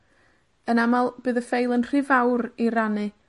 Yn amal, bydd y ffeil yn rhy fawr i rannu